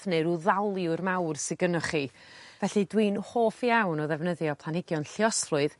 neu rw ddaliw'r mawr sy gynnoch chi felly dwi'n hoff iawn o ddefnyddio planhigion lluosflwydd